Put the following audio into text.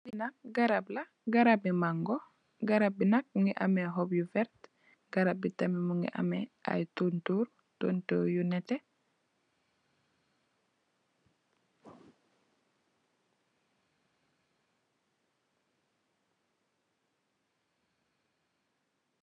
Li nk garab la garab bi mango garab bi nak mugi ameh hob yu werte garab bi tamit mugi ameh ai tontor, torntor yu neteh.